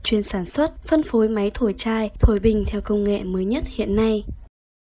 chuyên sản xuất phân phối máy thổi chai thổi bình theo công nghệ mới nhất hiện nay